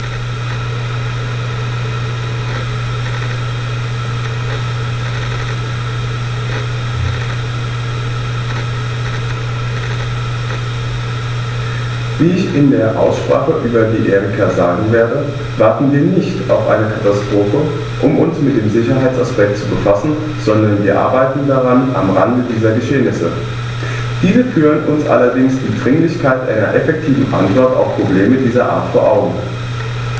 Wie ich in der Aussprache über die Erika sagen werde, warten wir nicht auf eine Katastrophe, um uns mit dem Sicherheitsaspekt zu befassen, sondern wir arbeiten daran am Rande dieser Geschehnisse. Diese führen uns allerdings die Dringlichkeit einer effektiven Antwort auf Probleme dieser Art vor Augen.